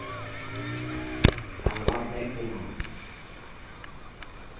eg havi lært nógv um hann